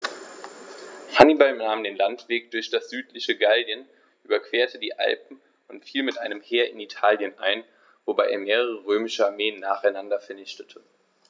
Hannibal nahm den Landweg durch das südliche Gallien, überquerte die Alpen und fiel mit einem Heer in Italien ein, wobei er mehrere römische Armeen nacheinander vernichtete.